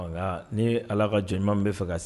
Ni ala ka jɔn min bɛ fɛ ka